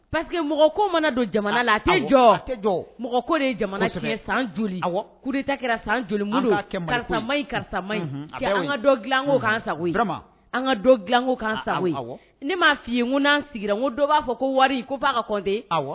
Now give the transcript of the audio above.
Paseke que mɔgɔ ko mana don jamana la ye kɛra san karisa an ka dilako sago ka dilako sago ne m ma f fɔ i ye'an sigira dɔw b'a fɔ ko wari ko ka